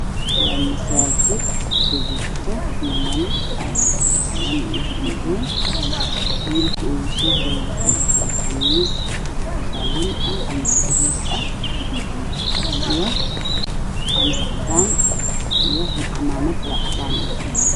Waa masaajid waxaa kujiro niman aad u faro badan. Wiilka ugu soo horeeyo waxuu wataa qamiis qalin ah ama garee ah iyo cimaamad cadaan ah.